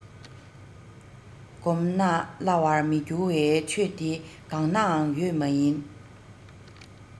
གོམས ན སླ བར མི འགྱུར བའི ཆོས དེ གང ནའང ཡོད མ ཡིན